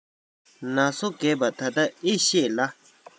ན སོ རྒས པ ད ལྟ ཨེ ཤེས ལ